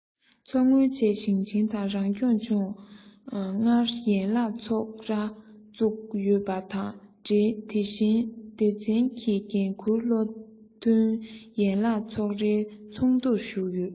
མཚོ སྔོན བཅས ཞིང ཆེན དང རང སྐྱོང ལྗོངས ལྔར ཡན ལག ཚོགས ར བཙུགས ཡོད པ དང འབྲེལ དེ བཞིན སྡེ ཚན གྱི འགན ཁུར བློ མཐུན ཡན ལག ཚོགས རའི ཚོགས འདུར ཞུགས ཡོད